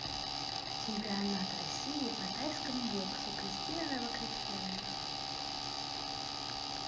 чемпионат россии по тайскому боксу кристина новокрещенных